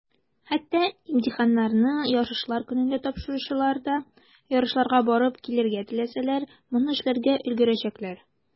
Хәтта имтиханны ярышлар көнендә тапшыручылар да, ярышларга барып килергә теләсәләр, моны эшләргә өлгерәчәкләр.